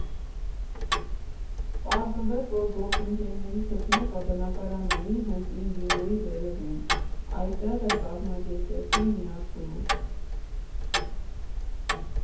Պարզվեց, որ գործընկերներից մեկը բնակարան ունի հենց Ին Վինոյի վերևում, այդտեղ էլ կազմակերպեցին միացումը։